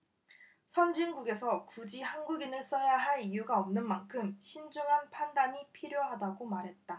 선진국에서 굳이 한국인을 써야할 이유가 없는 만큼 신중한 판단이 필요하다고 말했다